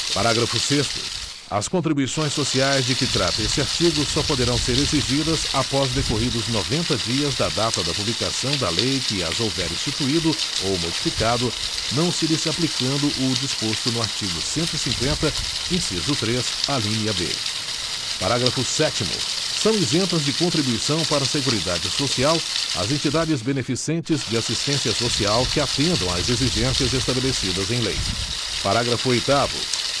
parágrafo sexto as contribuições sociais de que trata este artigo só poderão ser exigidas após decorridos noventa dias da data da publicação da lei que as houver instituído ou modificado não se lhes aplicando o disposto no artigo cento e cinquenta inciso três alínea b parágrafo sétimo são isentas de contribuição para a seguridade social as entidades beneficentes de assistência social que atendam às exigências estabelecidas em lei parágrafo oitavo